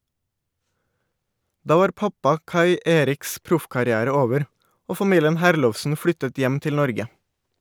Da var pappa Kai Eriks proffkarriere over, og familien Herlovsen flyttet hjem til Norge.